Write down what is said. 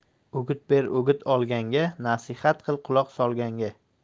o'git ber o'git olganga nasihat qil quloq solganga